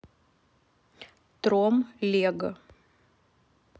тром лег